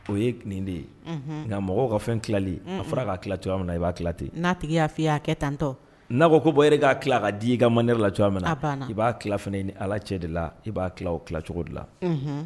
O ye nin de ye nka mɔgɔw ka fɛn tilali a fɔra k kaa tila cogoya min na i b'a tilala ten n'a tigi y'a fɔ iya kɛ tantɔ n'a ko ko bɔ e' tilala ka di i ka ma ne lala cogoya min na i b'a ki tila ni ala cɛ de la i b'a ki o tila cogo dilan